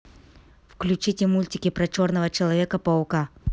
включите мультики про черного человека паука